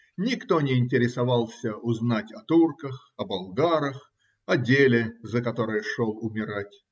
Никто не интересовался узнать о турках, о болгарах, о деле, за которое шел умирать.